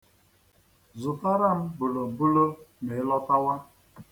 Zụtara m bùlòbulo ma ị lọtawa.